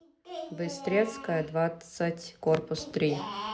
быстрецкая двадцать корпус три